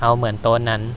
เอาเหมือนโต๊ะนั้น